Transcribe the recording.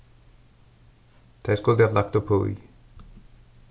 tey skuldu havt lagt uppí